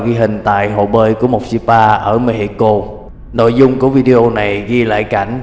tại hồ bơi của một spa ở mexico nội dung của video này ghi lại cảnh một người đàn ông